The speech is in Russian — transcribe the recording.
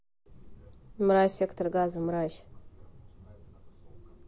мразь сектор газа мразь